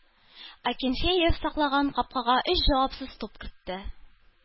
Акинфеев саклаган капкага өч җавапсыз туп кертте.